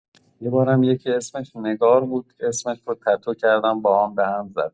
یبارم یکی اسمش نگار بود، اسمش رو تتو کردم باهام بهم زد!